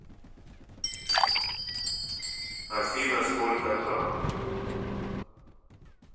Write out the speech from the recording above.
афина сколько там